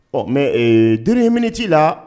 Ɔ mɛ du ye mini tti la